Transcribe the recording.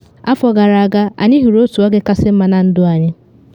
“Afọ gara aga anyị hụrụ otu oge kachasị mma na ndụ anyị.